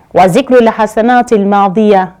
Waali kuurla hasana tlima bi yan